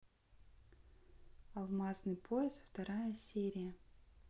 алмазный пояс вторая серия